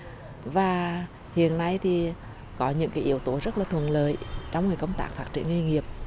và hiện nay thì có những cái yếu tố rất là thuận lợi trong công tác phát triển nghề nghiệp